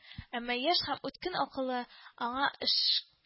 Әмма яшь һәм үткен акылы яңа эш